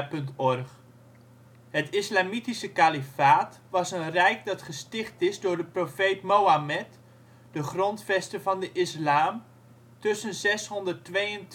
Het Islamitische Kalifaat was een rijk dat gesticht is door de profeet Mohammed, de grondvester van de islam, tussen 622 en 632